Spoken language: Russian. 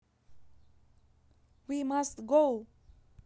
we must go